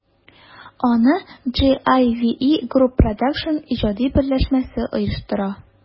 Аны JIVE Group Produсtion иҗади берләшмәсе оештыра.